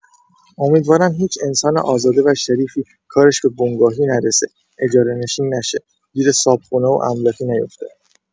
امیدوارم هیچ انسان آزاده و شریفی کارش به بنگاهی نرسه، اجاره‌نشین نشه، گیر صاحبخونه و املاکی نیفته.